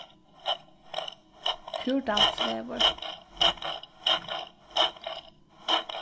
kúrdalsvegur